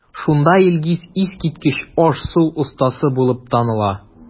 Шунда Илгиз искиткеч аш-су остасы булып таныла.